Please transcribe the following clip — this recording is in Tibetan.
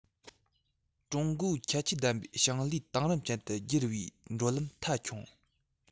ཀྲུང གོའི ཁྱད ཆོས ལྡན པའི ཞིང ལས དེང རབས ཅན དུ སྒྱུར བའི འགྲོ ལམ མཐའ འཁྱོངས